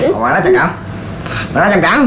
mày nói ai trầm cảm mày nói ai trầm cảm